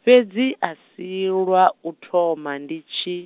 fhedzi a si lwa u thoma ndi tshi